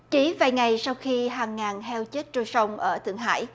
chỉ vài ngày sau khi hàng ngàn heo chết trôi sông ở thượng hải